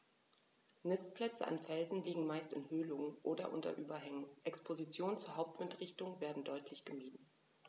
Nistplätze an Felsen liegen meist in Höhlungen oder unter Überhängen, Expositionen zur Hauptwindrichtung werden deutlich gemieden.